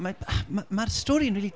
Mae... Ma- ma'r stori'n rili...